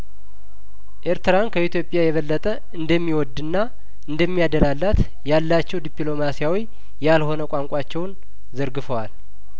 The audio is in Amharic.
ኤርትራን ከኢትዮጵያ የበለጠ እንደሚወድና እንደሚያደላላት ያላቸው ዲፕሎማሲያዊ ያልሆነ ቋንቋቸውን ዘርግፈዋል